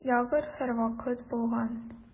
Ягр һәрвакыт булган.